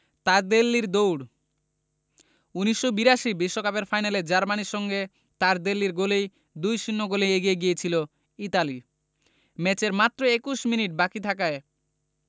তারদেল্লির দৌড় ১৯৮২ বিশ্বকাপের ফাইনালে জার্মানির সঙ্গে তারদেল্লির গোলেই ২ ০ গোলে এগিয়ে গিয়েছিল ইতালি ম্যাচের মাত্র ২১ মিনিট বাকি থাকায়